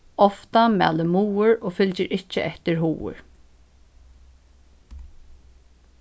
ofta mælir muður og fylgir ikki eftir hugur